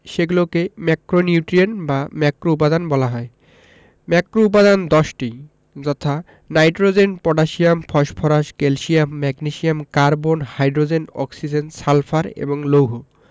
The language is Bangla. সেগুলোকে ম্যাক্রোনিউট্রিয়েন্ট বা ম্যাক্রোউপাদান বলা হয় ম্যাক্রোউপাদান ১০টি যথা nitrogen potassium phosphorus calcium magnesium carbon hydrogen oxygen sulphur এবং লৌহ